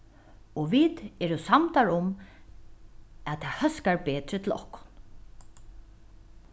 og vit eru samdar um at tað hóskar betri til okkum